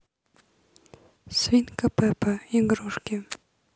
свинка пеппа игрушки